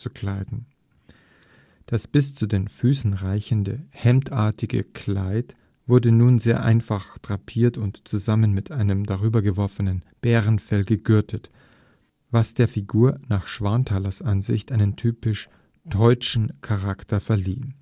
kleiden: Das bis zu den Füßen reichende, hemdartige Kleid wurde nun sehr einfach drapiert und zusammen mit einem darübergeworfenen Bärenfell gegürtet, was der Figur nach Schwanthalers Ansicht einen typisch „ teutschen “Charakter verlieh